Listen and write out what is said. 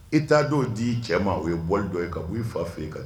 I t' dɔw di'i cɛ ma o ye bɔ dɔ ye ka b'i fa fɛ' yen kan